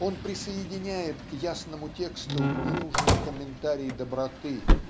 Он присоединяет к ясному тексту ненужный комментарий доброты.